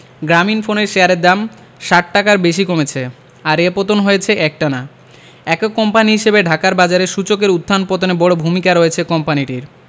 গ্রামীণফোনের শেয়ারের দাম ৬০ টাকার বেশি কমেছে আর এ পতন হয়েছে একটানা একক কোম্পানি হিসেবে ঢাকার বাজারে সূচকের উত্থান পতনে বড় ভূমিকা রয়েছে কোম্পানিটির